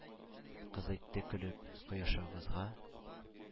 Кыз әйтте, көлеп: «Кояшыгызга